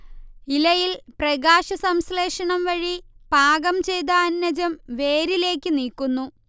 ഇലയിൽ പ്രകാശസംശ്ലേഷണം വഴി പാകം ചെയ്ത അന്നജം വേരിലേക്ക് നീക്കുന്നു